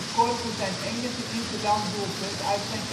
Korver zijn enige interlanddoelpunt uit zijn